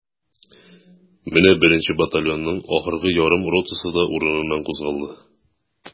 Менә беренче батальонның ахыргы ярым ротасы да урыныннан кузгалды.